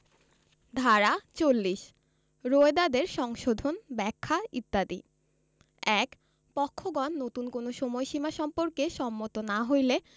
ধারা ৪০ রোয়েদাদের সংশোধন ব্যাখ্যা ইত্যাদি ১ পক্ষগণ নতুন কোন সময়সীমা সম্পর্কে সম্মত না হইলে